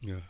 waaw